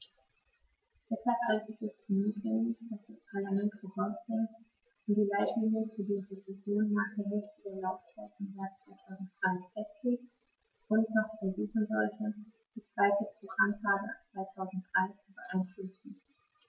Deshalb halte ich es für notwendig, dass das Parlament vorausdenkt und die Leitlinien für die Revision nach der Hälfte der Laufzeit im Jahr 2003 festlegt und noch versuchen sollte, die zweite Programmphase ab 2003 zu beeinflussen.